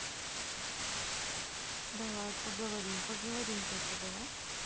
давай поговорим поговорим только давай